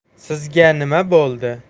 sizga nima bo'ldi